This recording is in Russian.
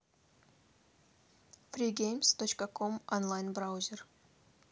free games точка ком онлайн браузер